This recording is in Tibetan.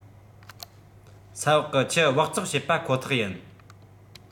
ས འོག གི ཆུ སྦགས བཙོག བྱེད པ ཁོ ཐག ཡིན